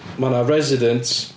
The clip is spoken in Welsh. Ma' 'na residents...